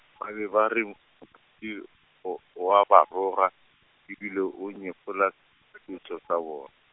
ba be ba re , o a ba roga, e bile o nyefola setšo sa bona.